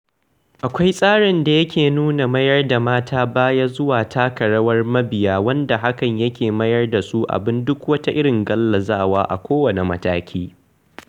Akwai tsarin da yake nuna mayar da mata baya zuwa taka rawar mabiya wanda hakan yake mayar da su abun duk wata irin gallazawa a kowane mataki.